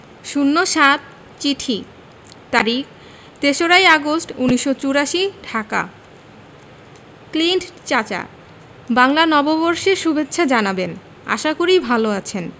০৭ চিঠি তারিখ ৩রা ই আগস্ট উন্নিশো চুরাশি ঢাকা ক্লিন্ট চাচা বাংলা নববর্ষের সুভেচ্ছা জানাবেন আশা করি ভালো আছেন